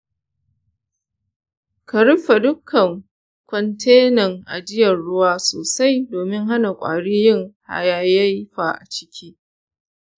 ka rufe dukkan kwantenan ajiyar ruwa sosai domin hana kwari yin hayayyafa a ciki.